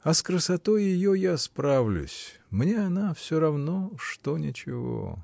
А с красотой ее я справлюсь: мне она всё равно что ничего.